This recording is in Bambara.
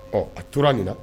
Ɔ a tora nin